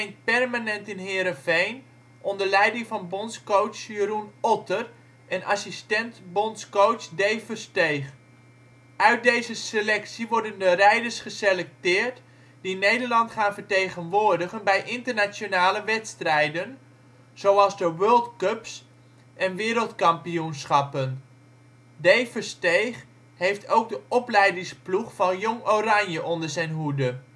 permanent in Heerenveen onder leiding van bondscoach Jeroen Otter en assistent-bondscoach Dave Versteeg. Uit deze selectie worden de rijders geselecteerd die Nederland gaan vertegenwoordigen bij internationale wedstrijden, zoals de World Cups en Wereldkampioenschappen. Dave Versteeg heeft ook de Opleidingsploeg en Jong Oranje onder zijn hoede